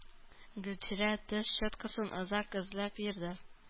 Гөлчирә теш щеткасын озак эзләп йөрде.